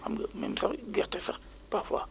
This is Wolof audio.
xam nga même sax gerte sax parfois